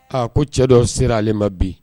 A ko cɛ dɔ sera ale ma bi